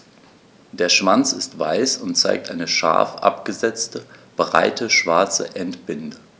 Der Schwanz ist weiß und zeigt eine scharf abgesetzte, breite schwarze Endbinde.